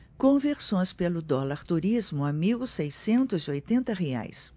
conversões pelo dólar turismo a mil seiscentos e oitenta reais